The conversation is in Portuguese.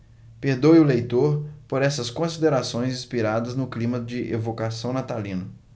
perdoe o leitor por essas considerações inspiradas no clima de evocação natalino